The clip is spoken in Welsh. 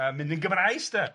Yy a mynd yn Gymraes, 'de?